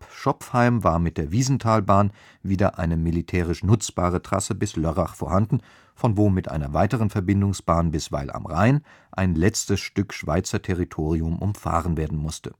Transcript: Schopfheim war mit der Wiesentalbahn wieder eine militärisch nutzbare Trasse bis Lörrach vorhanden, von wo mit einer weiteren Verbindungsbahn bis Weil am Rhein ein letztes Stück Schweizer Territorium umfahren werden musste